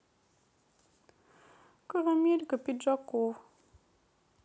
карамелька пиджаков